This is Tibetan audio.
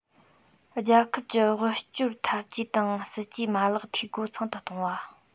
རྒྱལ ཁབ ཀྱི དབུལ སྐྱོར འཐབ ཇུས དང སྲིད ཇུས མ ལག འཐུས སྒོ ཚང དུ གཏོང བ